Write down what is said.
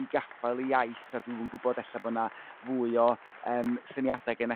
i gaffael y iaith a dwi'm yn gwybod ella bo' 'na fwy o yym syniada' genna